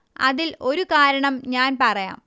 അതിൽ ഒരു കാരണം ഞാൻ പറയാം